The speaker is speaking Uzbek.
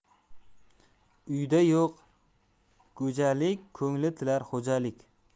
uyida yo'q go'jalik ko'ngli tilar xo'jalik